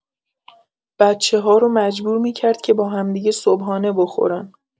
بچه‌ها رو مجبور می‌کرد که با همدیگه صبحانه بخورن.